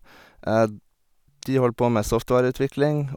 De holder på med softvareutvikling.